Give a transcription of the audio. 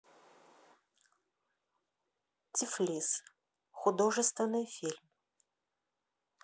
тифлис художественный фильм